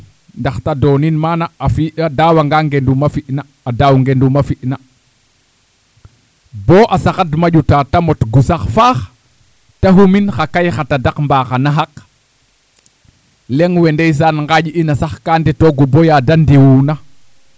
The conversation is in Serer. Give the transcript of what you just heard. ndax te doonin mana a fi' a dawanga ngendum a fi' na adaaw ngendum a fi' na boo a saxadum a ƴutaa te mot gusax faax te xumin xa kay xa tadak mbaa xa naxak leŋ we ndeysaan nqaaƴ'ina sax gaa ndetoogu boo ya da ndiwuuna